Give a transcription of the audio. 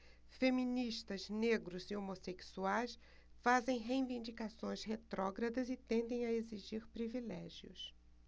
feministas negros e homossexuais fazem reivindicações retrógradas e tendem a exigir privilégios